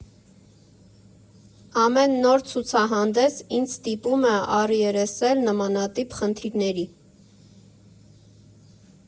Ամեն նոր ցուցահանդես ինձ ստիպում է առերեսել նմանատիպ խնդիրների։